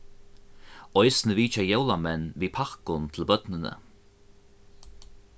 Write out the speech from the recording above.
eisini vitja jólamenn við pakkum til børnini